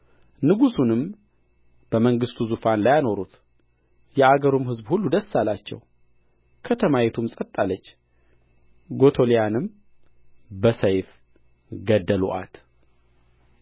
ንጉሡንም በመንግሥቱ ዙፋን ላይ አኖሩት የአገሩም ሕዝብ ሁሉ ደስ አላቸው ከተማይቱም ጸጥ አለች ጎቶሊያንም በሰይፍ ገደሉአት